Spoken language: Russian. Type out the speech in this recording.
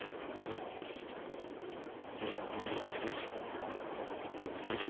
окей гугл кукутики